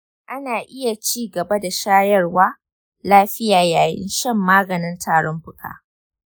ana iya ci gaba da shayarwa lafiya yayin shan maganin tarin fuka.